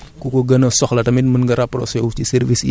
mais ñun dañ ciy expliquer tuuti rekk